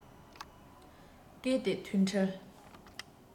སྐད དེ ཐོས འཕྲལ